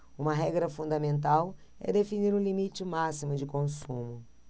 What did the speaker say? uma regra fundamental é definir um limite máximo de consumo